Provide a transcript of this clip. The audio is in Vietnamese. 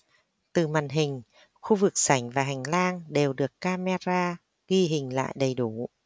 từ màn hình khu vực sảnh và hành lang đều được camera ghi hình lại đầy đủ